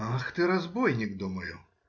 Ах ты, разбойник,— думаю.